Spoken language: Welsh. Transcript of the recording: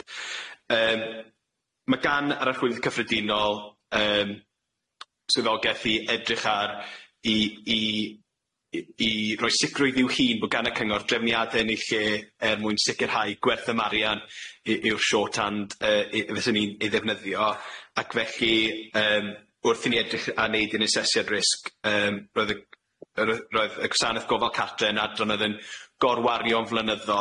Yym, ma' gan yr archwilydd cyffredinol, yym swyddogaeth i edrych ar i i i i roi sicrwydd i'w hun bo' gan y cyngor drefniade yn 'u lle er mwyn sicirhau gwerth amarian i i'w short hand yy i fyswn i'n ei ddefnyddio, ac felly yym wrth i ni edrych a neud i'n asesiad risg yym roedd y g- yr yy roedd y gwasaneth gofal cartre yn adran o'dd yn gorwarion flynyddol.